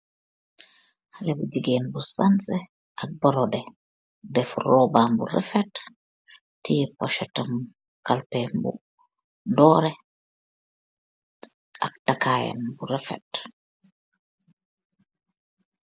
Haleh bu gigain bu sanseh ak brodeh def roobam bu rafet, tiyeh pursetam, kalpem bu dooreh, ak takayam bu rafet.